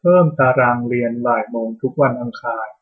เพิ่มตารางเรียนบ่ายโมงทุกวันอังคาร